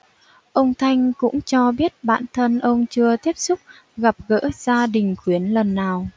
ông thanh cũng cho biết bản thân ông chưa tiếp xúc gặp gỡ gia đình khuyến lần nào